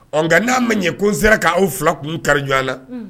Ɔ nka n'a ma ɲɛ ko sera'aw fila kun kari ɲɔgɔn na